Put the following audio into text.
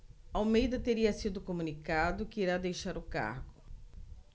almeida teria sido comunicado que irá deixar o cargo